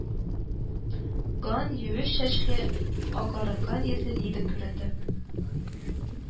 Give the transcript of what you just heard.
Ган, юеш чәчле, агарынган йөзле лида күренде